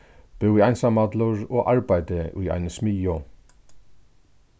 búði einsamallur og arbeiddi í eini smiðju